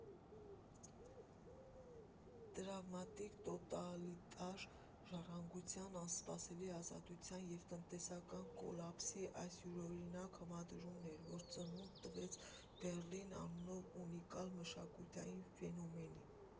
Տրավմատիկ տոտալիտար ժառանգության, անսպասելի ազատության և տնտեսական կոլապսի այս յուրօրինակ համադրումն էր, որ ծնունդ տվեց «Բեռլին» անունով ունիկալ մշակութային ֆենոմենին։